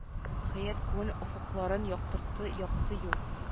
Хәят күңел офыкларын яктыртты якты юл